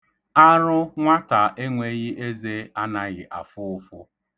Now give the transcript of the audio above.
Arụ nwata enweghị eze anaghị afụ ụfụ.